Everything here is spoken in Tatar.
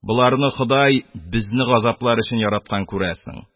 Боларны ходай безне газаплар өчен яраткан, күрәсең: